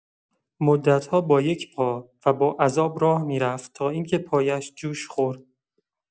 مدت‌ها با یک پا و با عذاب راه می‌رفت تا این‌که پایش جوش خورد.